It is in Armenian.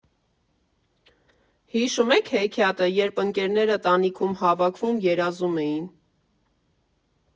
Հիշո՞ւմ եք հեքիաթը, երբ ընկերները տանիքում հավաքվում երազում էին։